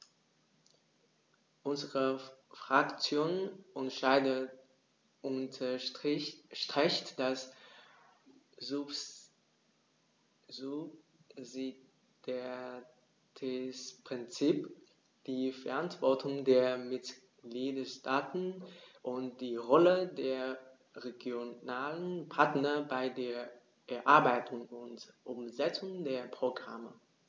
Unsere Fraktion unterstreicht das Subsidiaritätsprinzip, die Verantwortung der Mitgliedstaaten und die Rolle der regionalen Partner bei der Erarbeitung und Umsetzung der Programme.